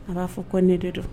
A b'a fɔ ko ne de don